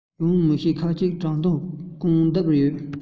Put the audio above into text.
ཡང མི ཤོག ཁག ཅིག བྲང རྡུང རྐང རྡབ ཡོད